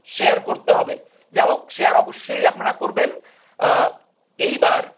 share করতে হবে যাই হোক শেয়ার অবশ্যই আপনারা করবেন এইবার